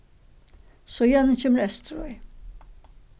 síðani kemur eysturoy